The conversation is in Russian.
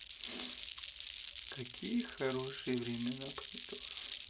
какие хорошие времена помидоров